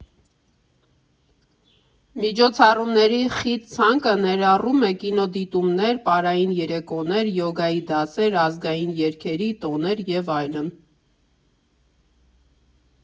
Միջոցառումների խիտ ցանկը ներառում է կինոդիտումներ, պարային երեկոներ, յոգայի դասեր, ազգային երգերի տոներ և այլն։